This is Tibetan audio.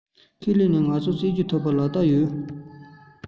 ཁས ལེན ནི ང ཚོའི སྲིད ཇུས ཐོག གི ལག བསྟར ངོས